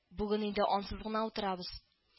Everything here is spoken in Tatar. Бүген инде ансыз гына утырабыз